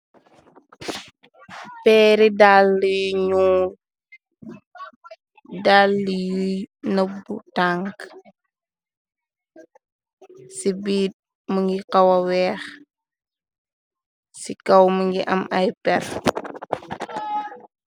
Pééri dalli yu ñuul dàlli yu nabu tanka ci biir mu ngi xawa wèèx ci kaw mu ngi am ay péér.